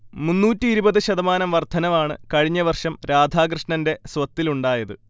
മുന്നൂറ്റി ഇരുപത് ശതമാനം വർദ്ധനവാണ് കഴിഞ്ഞ വർഷം രാധാകൃഷ്ണന്റെ സ്വത്തിലുണ്ടായത്